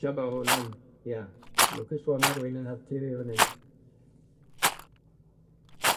Isio bo' hwn yn, ia, lwcus bo' 'na rywun yn helpu fi fyn 'yn.